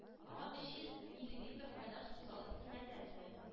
Аңа өч йөз миллилитр кайнар су салып төнәтәсе.